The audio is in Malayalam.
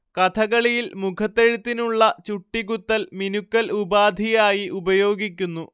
കഥകളിയിൽ മുഖത്തെഴുത്തിനുള്ള ചുട്ടികുത്തൽ മിനുക്കൽ ഉപാധിയായി ഉപയോഗിക്കുന്നു